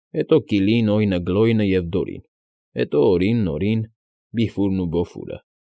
Հետո Կիլին, Օյնը, Գլոյնը և Դորին, հետո Օրին, Նորին, Բիֆուրն ու Բոֆուրը։